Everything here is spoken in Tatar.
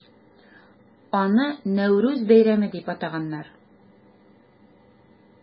Аны Нәүрүз бәйрәме дип атаганнар.